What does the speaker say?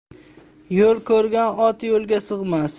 yo'l ko'rgan ot yo'lga sig'mas